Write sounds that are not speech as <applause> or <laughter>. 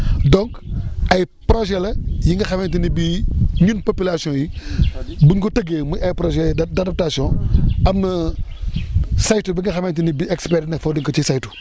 donc <noise> ay projets la <noise> yi nga xamante ni bii <noise> ñun populations yi <breath> buén ko tëggee muy ay projets d' a d' adaptation <noise> am na <noise> saytu bi nga xamante ne bii experts yi nekk foofu dañ ko siy saytu